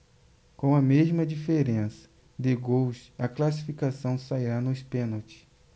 com a mesma diferença de gols a classificação sairá nos pênaltis